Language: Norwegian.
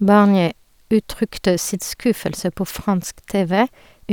Barnier uttrykte sin skuffelse på fransk TV